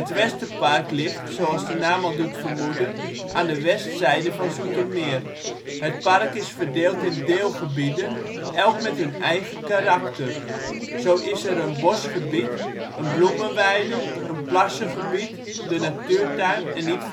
Westerpark ligt, zoals de naam al doet vermoeden, aan de westzijde van Zoetermeer. Het park is verdeeld in deelgebieden, elk met hun eigen karakter. Zo is er een bosgebied, een bloemenweide, een plassengebied, de natuurtuin en niet